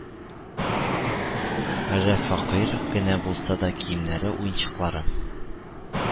Ре, фәкыйрь генә булса да киемнәре, уенчыклары,